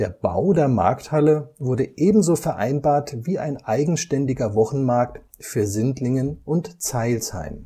Bau der Markthalle wurde ebenso vereinbart wie ein eigenständiger Wochenmarkt für Sindlingen und Zeilsheim